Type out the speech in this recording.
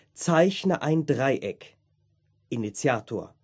Zeichne ein Dreieck („ Initiator